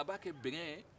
a b'a kɛ bɛngɛ ye